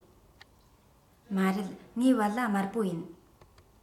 མ རེད ངའི བལ ལྭ དམར པོ ཡིན